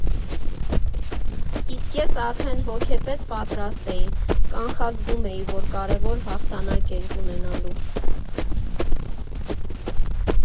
Իսկ ես արդեն հոգեպես պատրաստ էի, կանխազգում էի, որ կարևոր հաղթանակ ենք ունենալու։